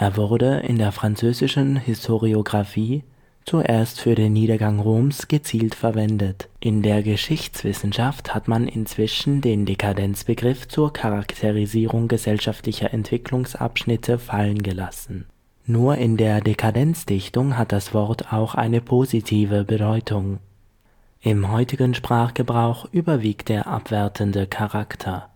wurde in der französischen Historiographie zuerst für den Niedergang Roms gezielt verwendet. In der Geschichtswissenschaft hat man inzwischen den Dekadenzbegriff zur Charakterisierung gesellschaftlicher Entwicklungsabschnitte fallen gelassen. Nur in der Dekadenzdichtung hat das Wort auch eine positive Bedeutung; im heutigen Sprachgebrauch überwiegt der abwertende Charakter